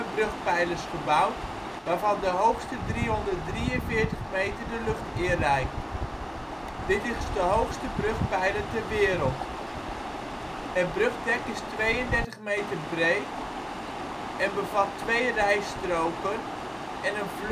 brugpijlers gebouwd, waarvan de hoogste 343 meter de lucht in reikt. Dit is de hoogste brugpijler ter wereld. Het brugdek is 32 meter breed, en bevat twee rijstroken en een vluchtstrook